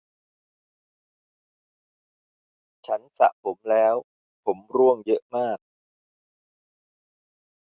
ฉันสระผมแล้วผมร่วงเยอะมาก